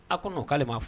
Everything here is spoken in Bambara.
A ko k'ale ma'a fɔ